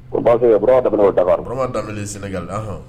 Ko ba da dabaraurama da sɛnɛga hɔn